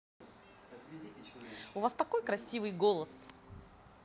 у вас такой красивый голос